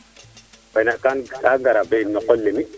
gay naak ka ngara mbe no qol lemi